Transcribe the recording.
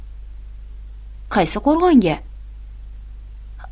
qaysi qo'rg'onga